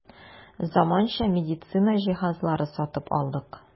Заманча медицина җиһазлары сатып алдык.